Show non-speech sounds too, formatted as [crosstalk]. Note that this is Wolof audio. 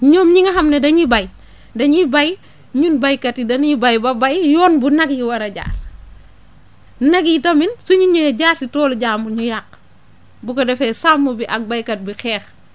ñoom ñi nga xam ne dañuy bay dañuy bay ñun baykat yi dañuy bay ba bay yoon bu nag yi war a [noise] jaar nag yi tamit suñu ñëwee jaar si toolu jàmbur ñu yàq bu ko defee sàmm bi ak béykat bi xeex